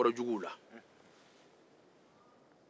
dɔ bɔra juguw la